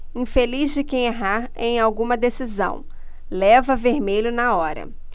infeliz de quem errar em alguma decisão leva vermelho na hora